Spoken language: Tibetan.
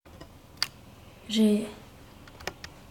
རེད